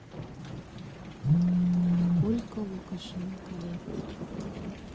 сколько лукашенко лет